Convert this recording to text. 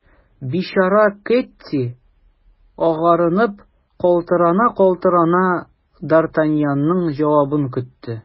Бичара Кэтти, агарынып, калтырана-калтырана, д’Артаньянның җавабын көтте.